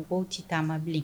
Mɔgɔw ti taama bilen